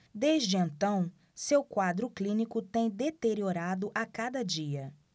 desde então seu quadro clínico tem deteriorado a cada dia